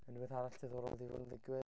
Unrhyw beth arall diddorol wedi bod yn digwydd?